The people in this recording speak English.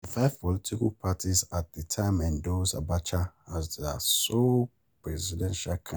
The five political parties at the time endorsed Abacha as their sole presidential candidate.